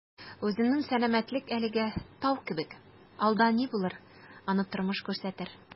Үземнең сәламәтлек әлегә «тау» кебек, алда ни булыр - аны тормыш күрсәтер...